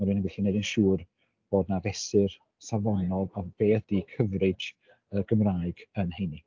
ma' rhywun yn gallu gwneud yn siŵr bod 'na fesur safonol am be ydy coverage y Gymraeg yn heini.